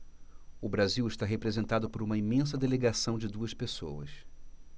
o brasil está representado por uma imensa delegação de duas pessoas